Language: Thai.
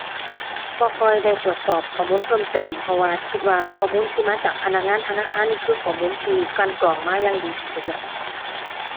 บ่ค่อยได้ตรวจสอบข้อมูลเพิ่มเติม เพราะว่าคิดว่าข้อมูลที่มาจากพนักงานธนาคารนี้คือข้อมูลที่กลั่นกรองมาอย่างดีที่สุดแล้ว